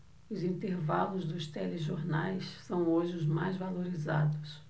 os intervalos dos telejornais são hoje os mais valorizados